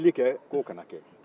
ka deli kɛ k'o ka na kɛ